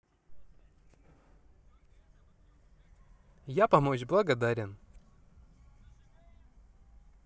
я помочь благодарен